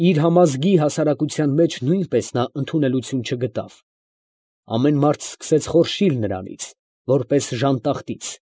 Իր համազգի հասարակության մեջ նույնպես նա ընդունելություն չգտավ. ամեն մարդ սկսեց խորշիլ նրանից, որպես ժանտախտից։